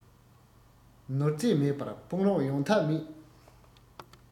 ནོར རྫས མེད པར དཔུང རོགས ཡོང ཐབས མེད